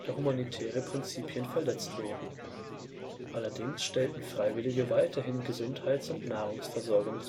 humanitäre Prinzipien verletzt wurden; allerdings stellten Freiwillige weiterhin Gesundheits - und Nahrungsversorgung